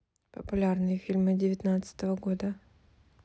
популярные фильмы девятнадцатого года